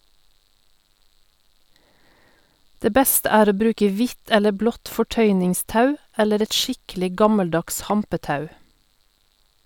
Det beste er å bruke hvitt eller blått fortøyningstau eller et skikkelig gammeldags hampetau.